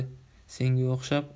senga o'xshab